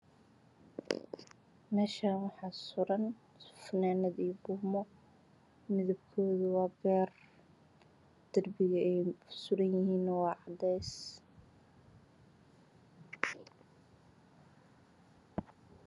Meeshaan waxaa suram funaada iyo buumo midabkooduna waa beer darbiga ay suranyihiin waa cadeys